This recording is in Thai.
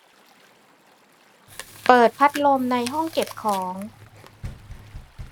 เปิดพัดลมในห้องเก็บของ